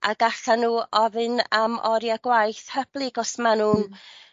ag allan n'w ofyn am orie gwaith hyblyg os ma' nw'n